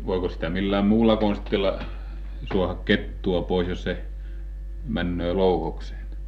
voiko sitä millään muulla konstilla saada kettua pois jos se menee louhokseen